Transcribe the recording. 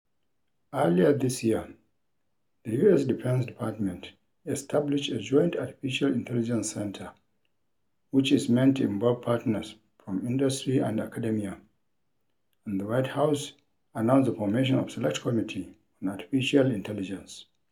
Earlier this year the U.S. Defense Department established a Joint Artificial Intelligence Center, which is meant to involve partners from industry and academia, and the White House announced the formation of Select Committee on Artificial Intelligence.